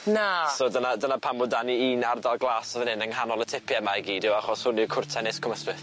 Na. So dyna dyna pam bo' 'dan ni un ardal glas y' fyn 'yn yng nghanol y tipie 'ma i gyd yw achos hwn yw cwrt tennis Cwm Ystwyth..